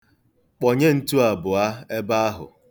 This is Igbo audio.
Kpọnye ntu abụọ ebe ahụ.